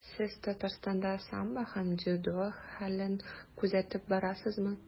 Сез Татарстанда самбо һәм дзюдо хәлен күзәтеп барасызмы?